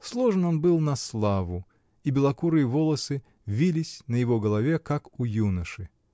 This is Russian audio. Сложен он был на славу, и белокурые волосы вились на его голове, как у юноши.